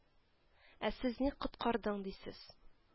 Ә сез ник коткардың дисез…